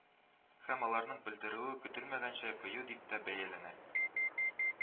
Һәм аларның белдерүе көтелмәгәнчә кыю дип тә бәяләнә